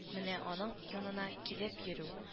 Менә аның янына килеп йөрү